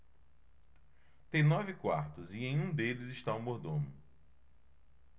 tem nove quartos e em um deles está o mordomo